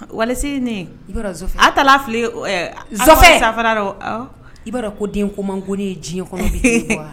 valise nin aw taara fili i b'a dɔn ko den ko mago ne ye diɲɛ kɔnɔ, k'e bɔ wa